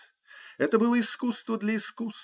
Это было искусство для искусства